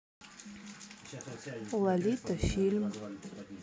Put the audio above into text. лолита фильм